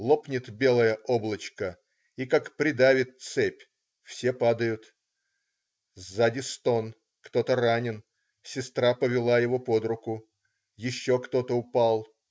Лопнет белое облачко, и, как придавит цепь,- все падают. Сзади стон, кто-то ранен. Сестра повела его под руку. Еще кто-то упал.